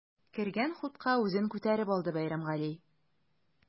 Кергән хутка үзен күтәреп алды Бәйрәмгали.